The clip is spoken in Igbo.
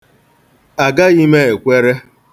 Agaghị m ekwere.